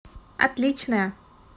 отличная